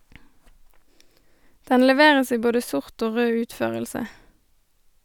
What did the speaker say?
Den leveres i både sort og rød utførelse.